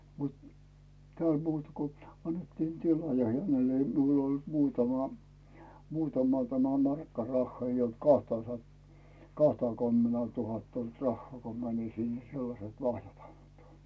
mutta täällä muuta kuin annettiin tila ja hänelle ei minulla oli muutama muutama tämä markka rahaa ei ollut kahta - kahtakymmentä tuhatta ollut rahaa kun menin sinne sellaiset lahjat antoi